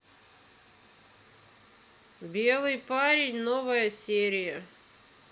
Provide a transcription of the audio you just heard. белый парень новая серия